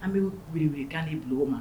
An bɛ wele wele kan de bila o ma